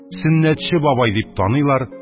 Сөннәтче бабай дип таныйлар,